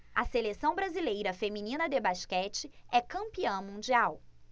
a seleção brasileira feminina de basquete é campeã mundial